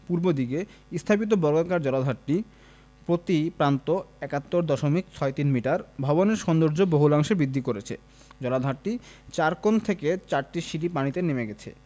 পূর্ব দিকে স্থাপিত বর্গাকার জলাধারটি প্রতি প্রান্ত ৭১ দশমিক ছয় তিন মিটার ভবনের সৌন্দর্য বহুলাংশে বৃদ্ধি করেছে জলাধারটির চার কোণ থেকে চারটি সিঁড়ি পানিতে নেমে গেছে